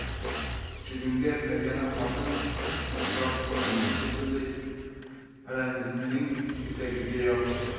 kuchugimga pakana xotin xunukroq ko'rindi shekilli paranjisining etagiga yopishdi